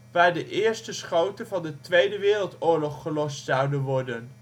waar de eerste schoten van de Tweede Wereldoorlog gelost zouden worden